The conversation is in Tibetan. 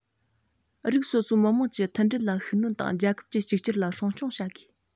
རིགས སོ སོའི མི དམངས ཀྱི མཐུན སྒྲིལ ལ ཤུགས སྣོན དང རྒྱལ ཁབ གྱི གཅིག གྱུར ལ སྲུང སྐྱོང བྱེད དགོས